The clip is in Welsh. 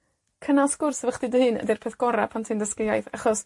Cynnal sgwrs hefo chdi dy hyn ydi'r peth gora' pan ti'n dysgu iaith, achos